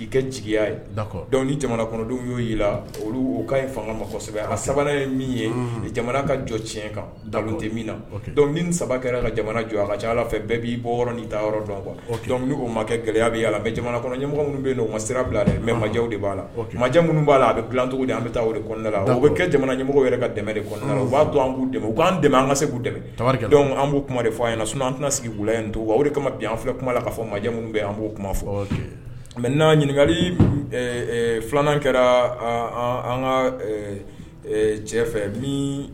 Y'sɛbɛ jɔ ala bɛɛ'i bɔ gɛlɛyamɔgɔ sira bila mɛw de b'a la minnu b'a a bɛ an bɛ taada la o bɛ kɛ jamana ɲɛmɔgɔ yɛrɛ ka dɛmɛ de u b'a an b' dɛmɛ an ka se an b'u kuma de fɔ a yan sun an tɛna sigi wula to kama bin an fɛ kuma la k ka fɔ ma minnu bɛ an'o kuma fɔ mɛ ɲininka filanan kɛra ka cɛ